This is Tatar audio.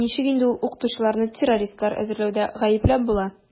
Ничек инде укытучыларны террористлар әзерләүдә гаепләп була?